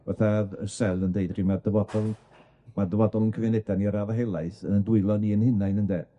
Fatha o'dd yy Sel yn deud pryd ma'r dyfodol ma'r dyfodol 'yn cymuneda ni ar radda helaeth yn 'yn dwylo ni 'yn hunain ynde?